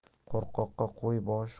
qo'rqoqqa qo'y boshi qo'sh